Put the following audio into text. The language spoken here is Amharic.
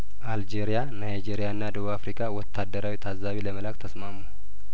አልጄሪያ ናይጄሪያና ደቡብ አፍሪካ ወታደራዊ ታዛቢ ለመላክ ተስማሙ